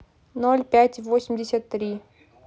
ноль пять восемьдесят три